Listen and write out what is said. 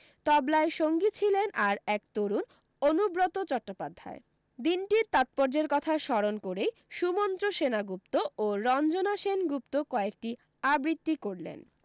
তবলায় সঙ্গী ছিলেন আর এক তরুণ অনুব্রত চট্টোপাধ্যায় দিনটির তাৎপর্যের কথা স্মরণ করেই সুমন্ত্র সেনগুপ্ত ও রঞ্জনা সেনগুপ্ত কয়েকটি আবৃত্তি করলেন